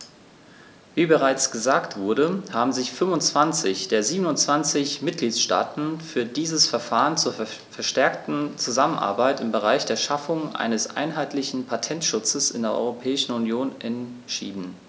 Wie bereits gesagt wurde, haben sich 25 der 27 Mitgliedstaaten für dieses Verfahren zur verstärkten Zusammenarbeit im Bereich der Schaffung eines einheitlichen Patentschutzes in der Europäischen Union entschieden.